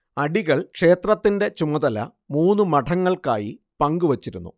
അടികൾ ക്ഷേത്രത്തിൻറെ ചുമതല മൂന്ന് മഠങ്ങൾക്കായി പങ്കുവച്ചിരുന്നു